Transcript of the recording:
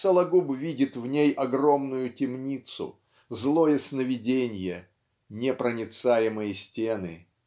Сологуб видит в ней огромную темницу злое сновиденье непроницаемые стены.